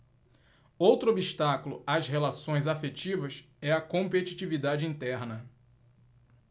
outro obstáculo às relações afetivas é a competitividade interna